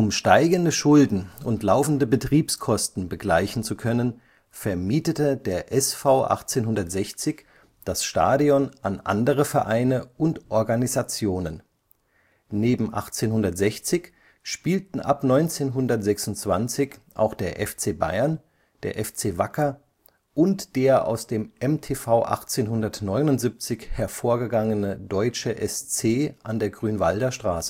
steigende Schulden und laufende Betriebskosten begleichen zu können, vermietete der SV 1860 das Stadion an andere Vereine und Organisationen. Neben 1860 spielten ab 1926 auch der FC Bayern, der FC Wacker und der aus dem MTV 1879 hervorgegangene Deutsche SC an der Grünwalder Straße